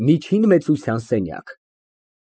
Միջին մեծության սենյակ։